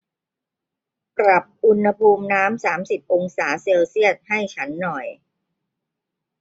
ปรับอุณหภูมิน้ำสามสิบองศาเซลเซียสให้ฉันหน่อย